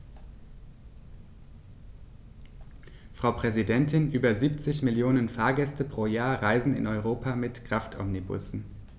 Frau Präsidentin, über 70 Millionen Fahrgäste pro Jahr reisen in Europa mit Kraftomnibussen.